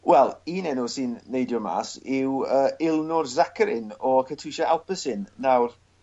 Wel un enw sy'n neidio mas yw yy Ilnur Zakarin o Katusha Alpecin. Nawr